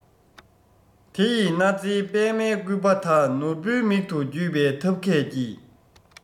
དེ ཡི སྣ རྩེའི པདྨའི སྐུད པ དག ནོར བུའི མིག ཏུ བརྒྱུས པའི ཐབས མཁས ཀྱིས